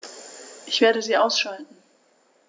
Ich werde sie ausschalten